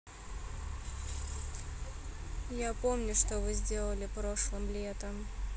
я помню что вы сделали прошлым летом